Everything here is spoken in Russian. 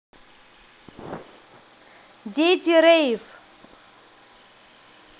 дети rave